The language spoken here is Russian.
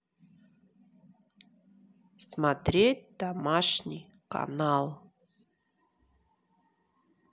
посмотреть домашний канал